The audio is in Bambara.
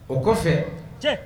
O kɔ kɔfɛ